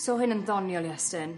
So hyn yn ddoniol Iestyn?